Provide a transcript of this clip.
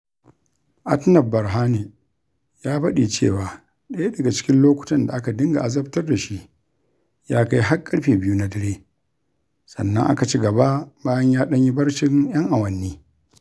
Atnaf Berhane ya faɗi cewa ɗaya daga cikin lokutan da aka dinga azabtar da shi ya kai har 2 na dare, sannan aka cigaba bayan ya ɗan yi barcin 'yan awanni.